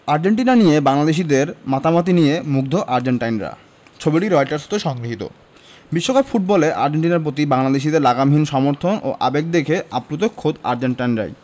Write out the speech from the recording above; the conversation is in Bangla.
আর্জেন্টিনা নিয়ে বাংলাদেশিদের মাতামাতি নিয়ে মুগ্ধ আর্জেন্টাইনরা ছবিটি রয়টার্স হতে সংগৃহীত বিশ্বকাপ ফুটবলে আর্জেন্টিনার প্রতি বাংলাদেশিদের লাগামহীন সমর্থন ও আবেগ দেখে আপ্লুত খোদ আর্জেন্টাইনরাই